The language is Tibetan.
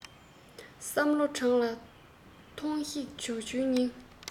བསམ བློ འདྲོངས ལ ཐོངས ཤིག ཇོ ཇོའི སྙིང